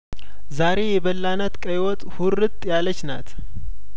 ዛሬ የበላናት ቀይወጥ ሁርጥ ያለችናት